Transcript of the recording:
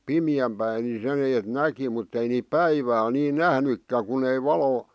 pimeän päin niin sen että näki mutta ei niitä päivällä niin nähnytkään kun ei valo